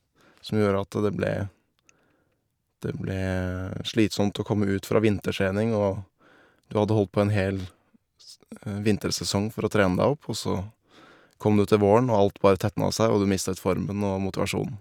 Som gjorde at det ble det ble slitsomt å komme ut fra vintertrening, og du hadde holdt på en hel s vintersesong for å trene deg opp, og så kom du til våren, og alt bare tetna seg, og du mistet formen og motivasjonen.